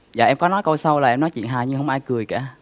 dạ em có nói câu sau là em nói chuyện hài nhưng không ai cười cả